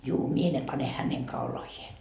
juu minä ne panen hänen kaulaansa